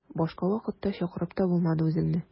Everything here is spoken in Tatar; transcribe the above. Башка вакытта чакырып та булмады үзеңне.